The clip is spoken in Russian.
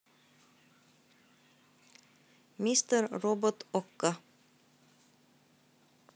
мистер робот окко